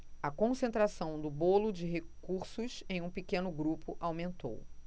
a concentração do bolo de recursos em um pequeno grupo aumentou